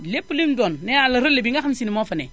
lépp li mu doon nee naa la relai bi nga xam si ne moo fa ne